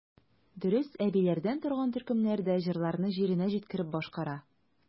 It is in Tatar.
Дөрес, әбиләрдән торган төркемнәр дә җырларны җиренә җиткереп башкара.